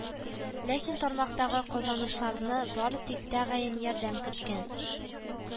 Ләкин, тармактагы казанышларны бары тик тәгаен ярдәм көткән